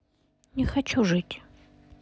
не хочу жить